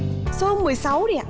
số mười sáu đi ạ